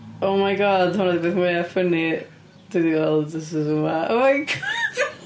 Oh my God, hwnna 'di'r peth mwya funny. Dwi 'di gweld, wythnos yma... Oh my god!